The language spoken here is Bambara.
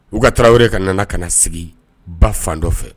U ka tarawele yɔrɔ ka nana ka na sigi ba fan dɔ fɛ